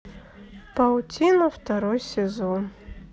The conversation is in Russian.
паутина второй сезон